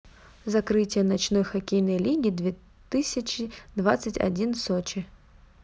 закрытие ночной хоккейной лиги две тысячи двадцать один сочи